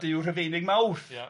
ydyw Rhufeinig Mawrth ia.